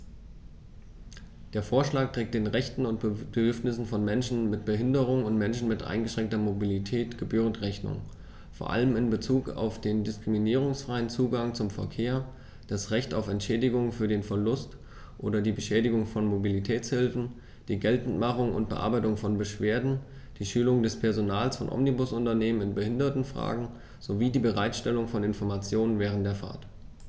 Der Vorschlag trägt den Rechten und Bedürfnissen von Menschen mit Behinderung und Menschen mit eingeschränkter Mobilität gebührend Rechnung, vor allem in Bezug auf den diskriminierungsfreien Zugang zum Verkehr, das Recht auf Entschädigung für den Verlust oder die Beschädigung von Mobilitätshilfen, die Geltendmachung und Bearbeitung von Beschwerden, die Schulung des Personals von Omnibusunternehmen in Behindertenfragen sowie die Bereitstellung von Informationen während der Fahrt.